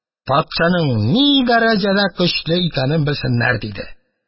Патшаның ни дәрәҗәдә көчле икәнен белсеннәр! – диде.